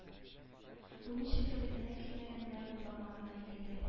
Бу ничектер бөтенләй көтмәгәндә уйламаганда әйтелде